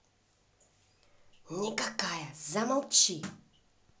никакая замолчи